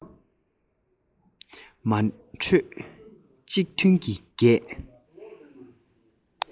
མ གྲོས གཅིག མཐུན གྱིས བགད